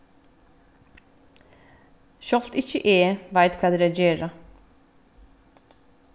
sjálvt ikki eg veit hvat er at gera